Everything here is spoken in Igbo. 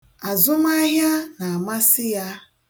Azụmahịa na-amasị ya.